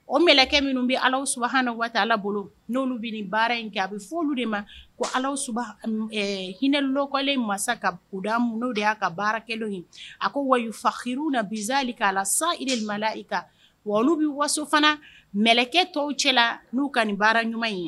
O mkɛ minnu bɛ alasu hauna waati ala bolo n'olu bɛ nin baara in kɛ a bɛ fɔ olu de ma ko ala hinɛ lɔkɔlen masa kada minnu de y'a ka baarakɛlaw in a ko wa fahi na bi zali k'a la sarela i kan wa olu bɛ waso fana mkɛ tɔw cɛla la n'u ka nin baara ɲuman in ye